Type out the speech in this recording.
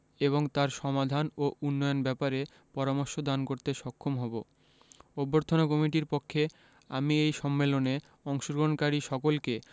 এবং তার সমাধান ও উন্নয়ন ব্যাপারে পরামর্শ দান করতে সক্ষম হবো অভ্যর্থনা কমিটির পক্ষে আমি এই সম্মেলনে অংশগ্রহণকারী সকলকে